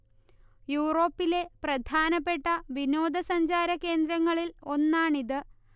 യൂറോപ്പിലെ പ്രധാനപ്പെട്ട വിനോദ സഞ്ചാര കേന്ദ്രങ്ങളിൽ ഒന്നാണിത്